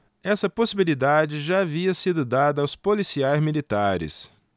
essa possibilidade já havia sido dada aos policiais militares